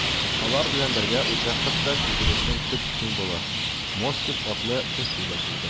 Алар белән бергә участокта төзелешнең төп символы - Мостик атлы песи дә килгән.